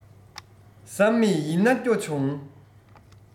བསམ མེད ཡིན ན སྐྱོ བྱུང